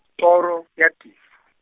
toro ya tefo.